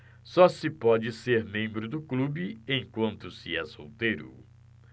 só se pode ser membro do clube enquanto se é solteiro